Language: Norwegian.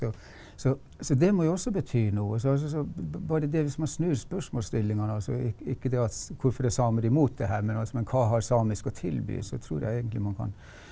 så så så det må jo også bety noe så altså så bare det hvis man snur spørsmålstillinga altså ikke det at hvorfor er samer i mot det her men altså men hva har samisk å tilby så tror jeg egentlig man kan.